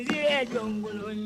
Tile jɔn